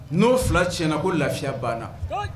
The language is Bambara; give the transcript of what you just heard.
N'o fila tiɲɛna ko lafiya banna